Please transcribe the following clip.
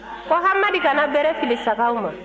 ko hamadi kana bere fili sagaw ma